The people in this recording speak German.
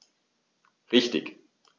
Richtig